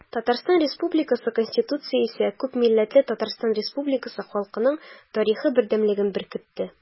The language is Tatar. Татарстан Республикасы Конституциясе күпмилләтле Татарстан Республикасы халкының тарихы бердәмлеген беркетте.